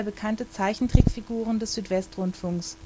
bekannte Zeichentrickfiguren des Südwestrundfunks